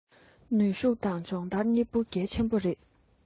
ནུས ཤུག དང སྦྱོང ལྟར གཉིས ཀ གལ ཆེན པོ ཡིན